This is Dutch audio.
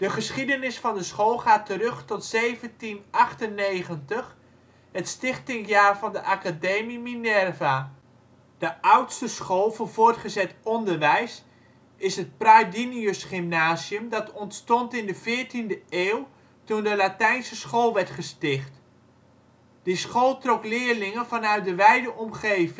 geschiedenis van de school gaat terug tot 1798, het stichtingjaar van de Academie Minerva. De oudste school voor voortgezet onderwijs is het Praedinius Gymnasium dat ontstond in de veertiende eeuw toen de Latijnse school werd gesticht. Die school trok leerlingen vanuit de wijde omgeving. Ook